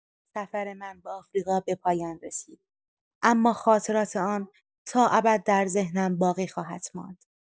سفر من به آفریقا به پایان رسید، اما خاطرات آن تا ابد در ذهنم باقی خواهد ماند.